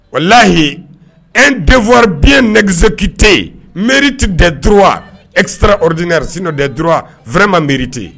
O layi e denfɔwa biyɛn nɛgɛggezeki tɛ yen miiriti datwa esara odinaresinao dɛ dɔrɔnwa f ma miirite yen